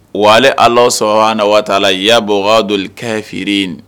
Wa ala sɔrɔ na waa t'a la i'a bɔ dɔli kɛ feere